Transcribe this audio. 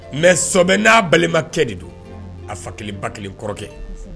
Mɛ sɔbɛ n'a balimakɛ de don a fakelen ba kelen kɔrɔkɛ